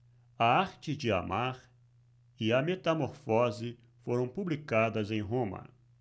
a arte de amar e a metamorfose foram publicadas em roma